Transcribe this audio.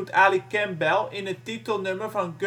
Ali Campbell in het titelnummer van